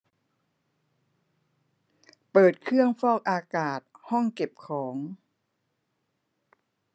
เปิดเครื่องฟอกอากาศห้องเก็บของ